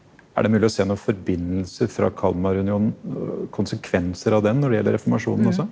er det mulig å se noen forbindelser fra Kalmarunionen konsekvenser av den når det gjelder reformasjonen også?